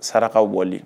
Sarakakaw bɔlen